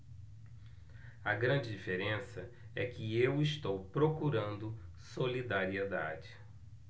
a grande diferença é que eu estou procurando solidariedade